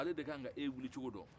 ale de kan k'e wili cogo don